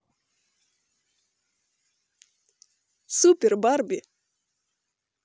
супер барби